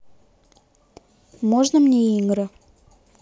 можно мне игры